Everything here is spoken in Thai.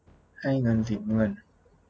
ให้เงินสีน้ำเงิน